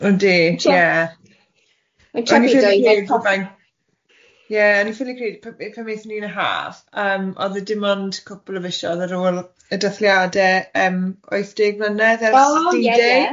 Yndy ie ie o'n i'n ffili credu pan aethon ni'n y haf yym oedd e dim ond cwpl o fisoedd ar ôl y dathliade yym wyth deg mlynedd ers D-Day...O ie ie.